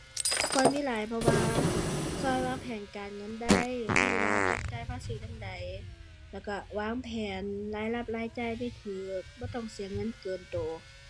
ควรมีหลาย เพราะว่าช่วยวางแผนการเงินได้ ช่วยว่าต้องจ่ายภาษีจั่งใด แล้วช่วยวางแผนรายรับรายจ่ายได้ช่วย บ่ต้องเสียเงินเกินช่วย